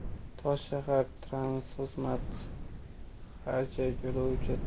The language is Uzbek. toshshahartransxizmat aj yo'lovchi tashish bilan shug'ullanuvchi